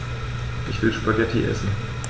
Ich will Spaghetti essen.